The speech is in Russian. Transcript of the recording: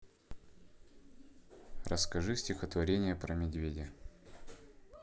расскажи стихотворение про медведя